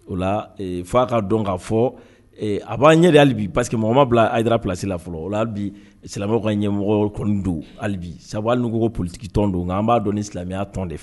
O la f'a ka dɔn ka fɔ a b'an ɲɛ de hali bi parce que mɔgɔ man bila Hayidara place la fɔlɔ o la hali bi silamɛw ka ɲɛmɔgɔ kɔni do hali bi sabula hali n'u ko ko politique tɔn do nka an b'a dɔn ni silamɛya tɔn de